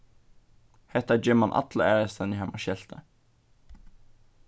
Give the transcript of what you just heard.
hatta ger mann alla aðrastaðni har mann skeltar